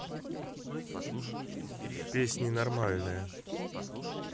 песни нормальные